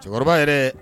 Cɛkɔrɔba yɛrɛ